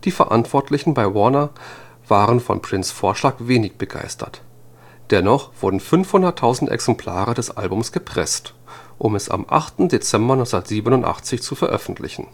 Verantwortlichen bei Warner waren von Prince’ Vorschlag wenig begeistert, dennoch wurden 500.000 Exemplare des Albums gepresst, um es am 8. Dezember 1987 zu veröffentlichen